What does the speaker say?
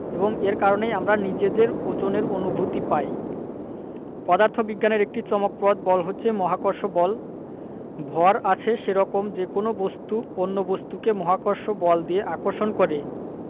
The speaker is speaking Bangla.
এবং এর কারণেই আমরা নিজেদের ওজনের অনুভূতি পাই পদার্থবিজ্ঞানের একটি চমকপ্রদ বল হচ্ছে মহাকর্ষ বল ভর আছে সেরকম যেকোনো বস্তু অন্য বস্তুকে মহাকর্ষ বল দিয়ে আকর্ষণ করে